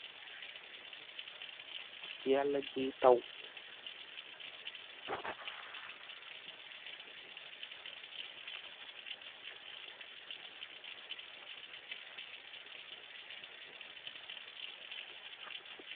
Yalah gi taw .